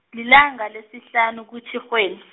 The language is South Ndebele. lilanga lesihlanu kuTjhirhweni.